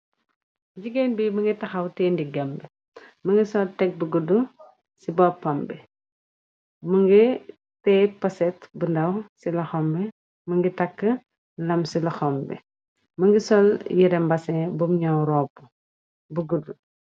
jigéen bi më nga taxaw tee ndiggambi më ngi sol teg bu gudd ci boppam bi më nga tee paset bu ndaw ci la xombi më ngi tàkk lam ci la xom bi më ngi sol yerembase bu ñoow ropp bu guddu